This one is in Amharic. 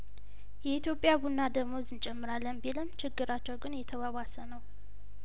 የኢትዮጵያ ቡና ደመወዝ እንጨምራለን ቢልም ችግራቸው ግን የተባባሰ ነው